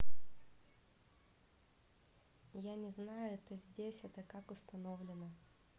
я не знаю это здесь это как установлено